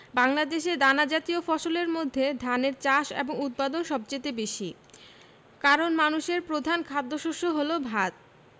বাংলাদেশে দানাজাতীয় ফসলের মধ্যে ধানের চাষ ও উৎপাদন সবচেয়ে বেশি কারন মানুষের প্রধান খাদ্যশস্য হলো ভাত